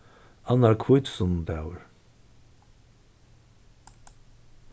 annar hvítusunnudagur